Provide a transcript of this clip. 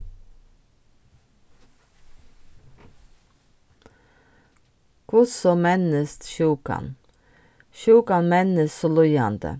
hvussu mennist sjúkan sjúkan mennist so líðandi